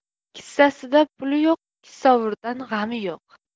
kissasida puli yo'q kisavurdan g'ami yo'q